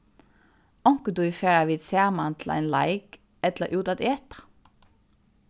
onkuntíð fara vit saman til ein leik ella út at eta